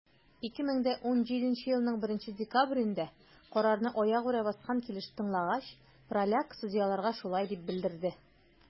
2017 елның 1 декабрендә, карарны аягүрә баскан килеш тыңлагач, праляк судьяларга шулай дип белдерде: